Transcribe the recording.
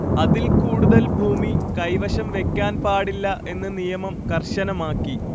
അതിൽ കൂടുതൽ ഭൂമി കൈവശം വെക്കാൻ പാടില്ല എന്ന നിയമം കർശനമാക്കി